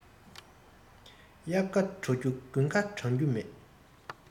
དབྱར ཁ དྲོ རྒྱུ དགུན ཁ གྲང རྒྱུ མེད